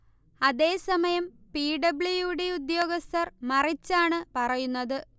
അതേ സമയം P. W. D. ഉദ്യോഗസ്ഥർ മറിച്ചാണ് പറയുന്നത്